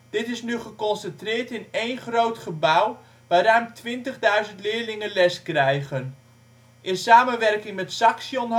Dit is nu geconcentreerd in één groot gebouw waar ruim 20.000 leerlingen les krijgen. In samenwerking met Saxion